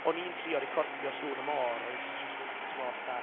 on i'n trio recordio sŵn y môr, o'n i jyst eisiau sŵn atmos, a